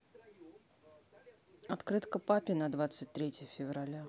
открытка папе на двадцать третье февраля